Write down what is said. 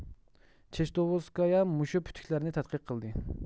جېشتوۋېسكايا مۇشۇ پۈتۈكلەرنى تەتقىق قىلدى